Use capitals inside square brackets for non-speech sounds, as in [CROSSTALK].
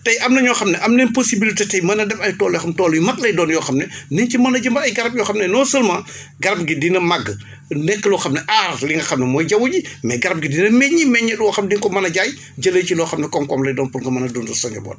tey am na ñoo xam ne am nañ possibilité mën a def ay tool yoo xam tool yu mag lay doon yoo xam ne [BREATH] nañ ci mën a jëmbat ay garab yoo xam ne non seulement garab gi dina màgg nekk loo xam ne aar li nga xam ne mooy jaww ji mais garab gi dina meññ meññit yoo xam di nga ko mën a jaay jëlee ci loo xam ne koom-koom lay doon pour nga mën a dundal sa njaboot